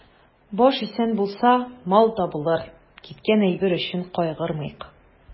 Баш исән булса, мал табылыр, киткән әйбер өчен кайгырмыйк.